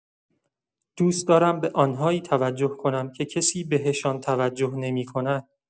دوست دارم به آن‌هایی توجه کنم که کسی به‌شان توجه نمی‌کند.